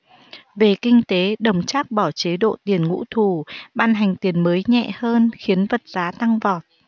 về kinh tế đổng trác bỏ chế độ tiền ngũ thù ban hành tiền mới nhẹ hơn khiến vật giá tăng vọt